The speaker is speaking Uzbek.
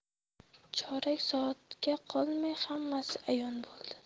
chorak soatga qolmay hammasi ayon bo'ldi